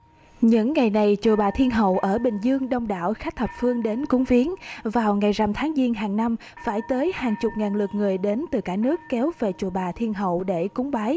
những ngày này chùa bà thiên hậu ở bình dương đông đảo khách thập phương đến cúng viếng vào ngày rằm tháng giêng hàng năm phải tới hàng chục ngàn lượt người đến từ cả nước kéo về chùa bà thiên hậu để cúng bái